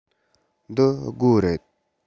འདི སྒོ རེད